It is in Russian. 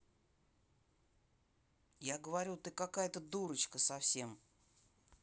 я говорю ты какая то дурочка совсем